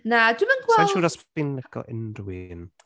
Na, dwi'm yn gweld... Sa i’n siŵr os fi’n licio unrhyw un.